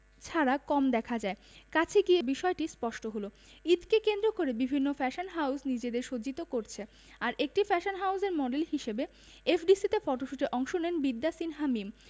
ছাড়া কম দেখা যায় কাছে গিয়ে বিষয়টি স্পষ্ট হলো ঈদকে কেন্দ্র করে বিভিন্ন ফ্যাশন হাউজ নিজেদের সজ্জিত করছে আর একটি ফ্যাশন হাউজের মডেল হিসেবে এফডিসিতে ফটোশ্যুটে অংশ নেন বিদ্যা সিনহা মীম